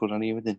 ffwr a ni wedyn.